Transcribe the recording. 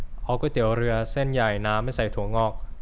เอาก๋วยเตี๋ยวเรือเส้นใหญ่น้ำไม่ใส่ถั่วงอก